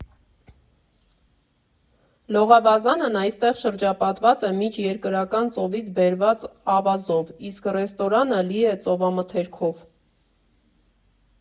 Լողավազանն այստեղ շրջապատված է Միջերկրական ծովից բերված ավազով, իսկ ռեստորանը լի է ծովամթերքով։